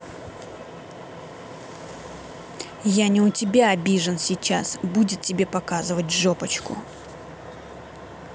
я не у тебя обижен сейчас будет тебе показывать жопочку